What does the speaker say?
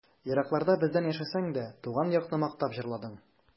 Еракларда бездән яшәсәң дә, Туган якны мактап җырладың.